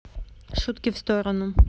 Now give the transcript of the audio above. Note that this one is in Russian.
шутки в сторону